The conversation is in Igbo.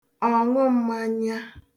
ọ̀ṅụm̄mānyā